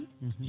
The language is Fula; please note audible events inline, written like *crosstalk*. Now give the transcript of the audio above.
*hesitation* *hesitation*